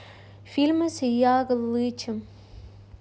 фильмы с яглычем